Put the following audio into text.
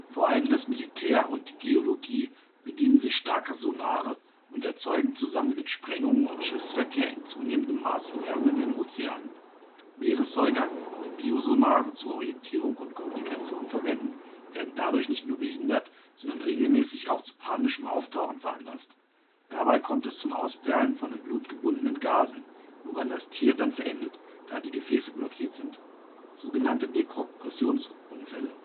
Vor allem das Militär und die Geologie bedienen sich starker Sonare und erzeugen zusammen mit Sprengungen und Schiffsverkehr in zunehmendem Maße Lärm in den Ozeanen. Meeressäuger, die Biosonare zur Orientierung und Kommunikation verwenden, werden dadurch nicht nur behindert, sondern regelmäßig auch zu panischem Auftauchen veranlasst. Dabei kommt es zum Ausperlen von im Blut gebundenen Gasen, woran das Tier dann verendet, da die Gefäße blockiert sind, sogenannte Dekompressions-Unfälle